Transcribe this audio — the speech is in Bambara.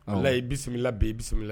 Alahi i bisimila bi i bisimiIa